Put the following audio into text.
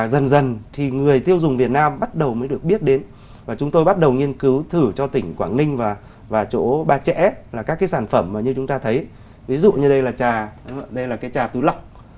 và dần dần thì người tiêu dùng việt nam bắt đầu mới được biết đến và chúng tôi bắt đầu nghiên cứu thử cho tỉnh quảng ninh và và chỗ ba chẽ là các cái sản phẩm và như chúng ta thấy ví dụ như đây là trà đây là cái trà túi lọc